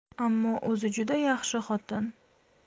ammo o'zi juda yaxshi xotin